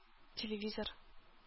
Телевизор